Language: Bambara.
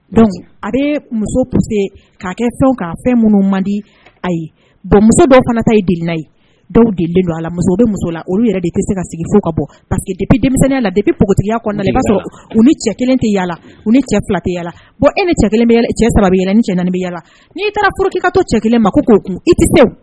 A bɛ muso' kɛ fɛn fɛn minnu man di ye muso dɔw fana ye dɔw don a muso yɛrɛ se ka sigi paseke denmisɛnnin npogoya na i'a sɔrɔ u ni cɛ kelen tɛ yaala cɛ fila tɛ e ni cɛ saba ni cɛ yaai taara to cɛ kelen ma ko ko i tɛ